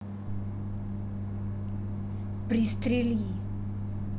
пристрели